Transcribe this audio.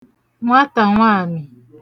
nwatànwamị